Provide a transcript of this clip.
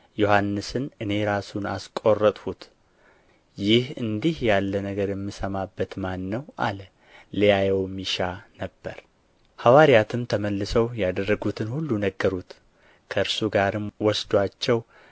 ዮሐንስንስ እኔ ራሱን አስቈረጥሁት ይህ እንዲህ ያለ ነገር የምሰማበት ማን ነው አለ ሊያየውም ይሻ ነበር ሐዋርያትም ተመልሰው ያደረጉትን ሁሉ ነገሩት ከእርሱ ጋርም ወስዶአቸው